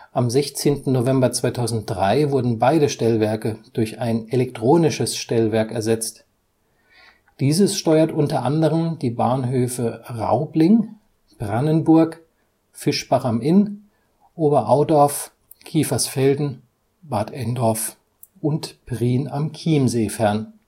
Am 16. November 2003 wurden beide Stellwerke durch ein Elektronisches Stellwerk ersetzt; dieses steuert unter anderem die Bahnhöfe Raubling, Brannenburg, Fischbach (Inn), Oberaudorf, Kiefersfelden, Bad Endorf und Prien am Chiemsee fern